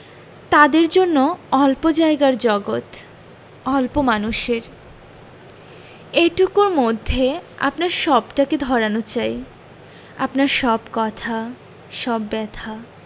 তাদের জন্য অল্প জায়গার জগত অল্প মানুষের এটুকুর মধ্যে আপনার সবটাকে ধরানো চাই আপনার সব কথা সব ব্যাথা